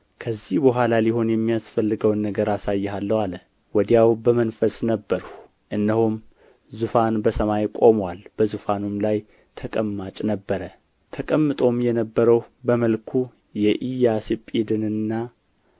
ከዚህ በኋላ ሊሆን የሚያስፈልገውን ነገር አሳይሃለሁ አለ ወዲያው በመንፈስ ነበርሁ እነሆም ዙፋን በሰማይ ቆሞአል በዙፋኑም ላይ ተቀማጭ ነበረ ተቀምጦም የነበረው በመልኩ የኢያስጲድንና